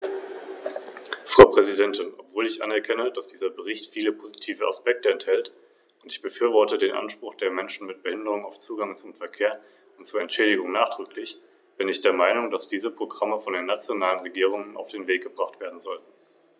Und wie Herr Simpson sehr richtig sagte, darf der Prozess niemals als abgeschlossen, als gewonnen oder als vollendet betrachtet werden.